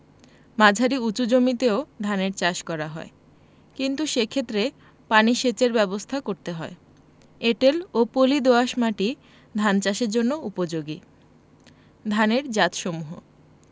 মাঝারি উচু জমিতেও ধানের চাষ করা হয় কিন্তু সেক্ষেত্রে পানি সেচের ব্যাবস্থা করতে হয় এঁটেল ও পলি দোআঁশ মাটি ধান চাষের জন্য উপযোগী ধানের জাতসমূহঃ